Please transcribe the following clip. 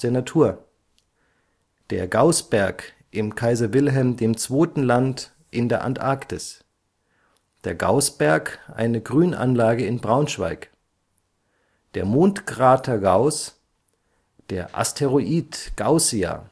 Natur der Gaußberg im Kaiser-Wilhelm-II.-Land in der Antarktis der Gaußberg, eine Grünanlage in Braunschweig der Mondkrater Gauss der Asteroid Gaussia